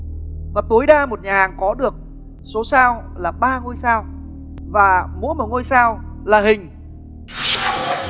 và tối đa một nhà hàng có được số sao là ba ngôi sao và mỗi một ngôi sao là hình